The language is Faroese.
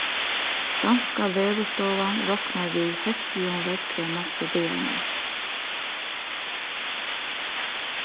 danska veðurstovan roknar við heystligum veðri næstu dagarnar